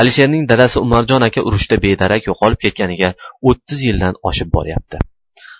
alisherning dadasi umarjon aka urushda bedarak yo'qolib ketganiga o'ttiz yildan oshib boryapti